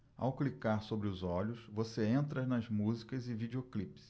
ao clicar sobre os olhos você entra nas músicas e videoclipes